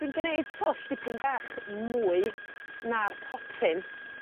Dwi'n gneud twll dipyn bach mwy na'r potyn.